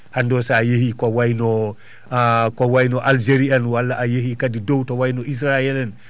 hannde o so a yehii ko wayi no ko wayi no Algérie en walla ayeyi kadi dow to wayno Israel en